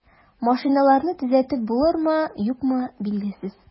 Машиналарны төзәтеп булырмы, юкмы, билгесез.